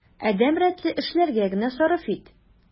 Адәм рәтле эшләргә генә сарыф ит.